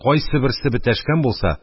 Кайсы берсе бетәшкән булса,